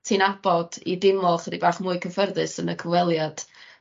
ti'n nabod i deimlo chydig bach mwy cyffyrddus yn y cyfweliad?